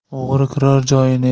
o'g'ri kirar joyini